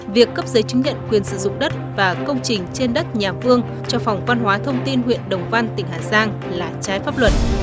việc cấp giấy chứng nhận quyền sử dụng đất và công trình trên đất nhà vương cho phòng văn hóa thông tin huyện đồng văn tỉnh hà giang là trái pháp luật